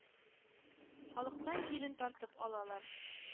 Халыктан җирен тартып алалар